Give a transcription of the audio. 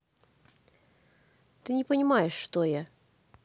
ты не понимаешь что я